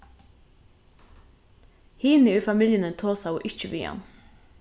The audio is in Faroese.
hini í familjuni tosaðu ikki við hann